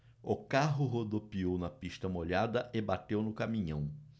o carro rodopiou na pista molhada e bateu no caminhão